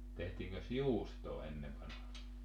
tehtiinkös juustoa ennen vanhaan